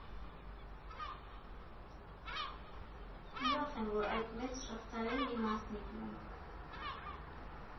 Ուրախ եմ, որ այդ մեծ շղթայի մի մասնիկն եմ։